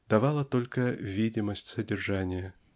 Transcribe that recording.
давало толь- ко видимость содержания?